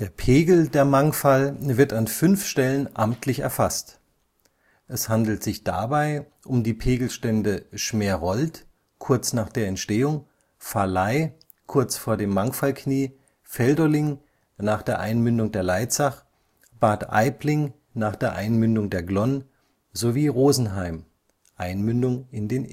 Pegel der Mangfall wird an fünf Stellen amtlich erfasst. Es handelt sich dabei um die Pegelstände Schmerold (kurz nach der Entstehung), Valley (kurz vor dem Mangfallknie), Feldolling (nach der Einmündung der Leitzach), Bad Aibling (nach der Einmündung der Glonn) sowie Rosenheim (Einmündung in den